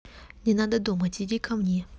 не надо думать иди ко мне